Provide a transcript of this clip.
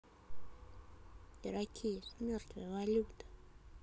jurassic мертвая валюта